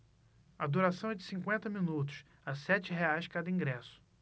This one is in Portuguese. a duração é de cinquenta minutos a sete reais cada ingresso